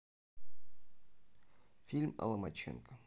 фильм о ломаченко